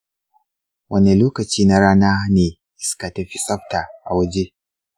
wane lokaci na rana ne iska ta fi tsafta a waje?